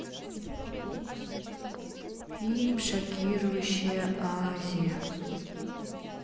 фильм шокирующая азия